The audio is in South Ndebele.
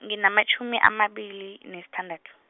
nginamatjhumi amabili, nesithandathu.